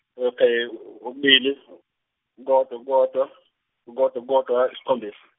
ok okubili kukodwa kukodwa kukodwa kukodwa yisikhombisa.